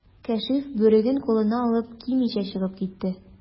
Кәшиф, бүреген кулына алып, кимичә чыгып китте.